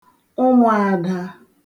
ụmụ̄ādā